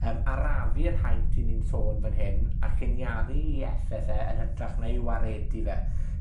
yym arafu'r haint 'yn ni'n sôn fan hyn, a lliniaru 'i effeth e yn hytrach na'i waredi fe.